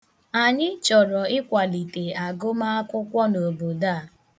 Anyị chọrọ ịkwalite agụmakwụkwọ n'obodo a.